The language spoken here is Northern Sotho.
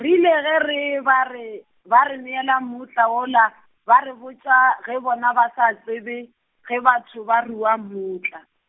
rile ge re ba re, ba re neele mmutla wola, ba re botša ge bona ba sa tsebe, ge batho ba rua mmutla.